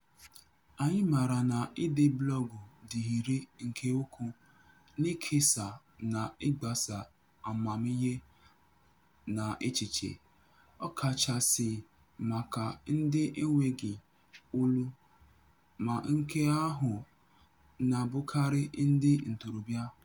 Anyị maara na ide blọọgụ dị irè nke ukwuu n'ikesa na ịgbasa amamihe na echiche, ọkachasị maka ndị n'enweghị "olu" - ma nke ahụ na-abụkarị ndị ntorobịa.